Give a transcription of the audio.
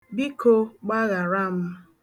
Biko, gbaghara m.